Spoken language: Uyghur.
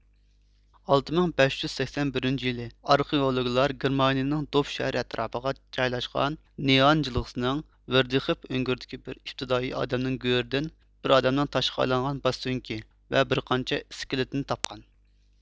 ئالتە مىڭ بەش يۈز سەكسەن بىرىنچى يىلى ئارخېئولوگلار گېرمانىيىنىڭ دوف شەھىرى ئەتراپىغا جايلاشقان نېئان جىلغىسىنىڭ ۋىردىخىف ئۆڭكۈرىدىكى بىر ئىپتىدائىي ئادەمنىڭ گۆرىدىن بىر ئادەمنىڭ تاشقا ئايلانغان باش سۆڭىكى ۋە بىرقانچە ئىسكىلىتىنى تاپقان